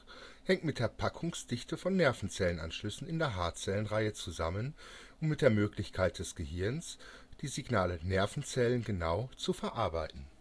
von Nervenzellanschlüssen in der Haarzellenreihe zusammen und mit der Möglichkeit des Gehirns, die Signale " Nervenzellen-genau " zu verarbeiten